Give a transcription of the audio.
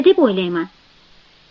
deb o'ylayman